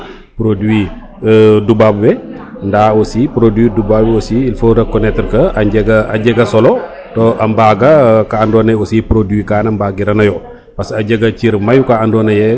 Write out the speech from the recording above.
produit toubab we nda aussi produit toubab we aussi faut reconnaitre que a njega solo toi a mbaga ka ando naye aussi produit kana mbagirano yo parce que a jega cir mayu ka ando naye